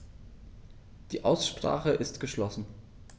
Die Aussprache ist geschlossen.